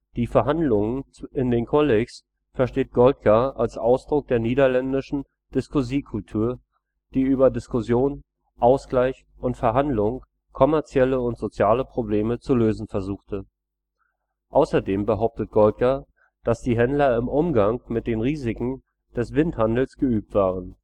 Die Verhandlungen in den Kollegs versteht Goldgar als Ausdruck der niederländischen discussiecultuur, die über Diskussion, Ausgleich und Verhandlung kommerzielle und soziale Probleme zu lösen versuchte. Außerdem behauptet Goldgar, dass die Händler im Umgang mit den Risiken des windhandels geübt waren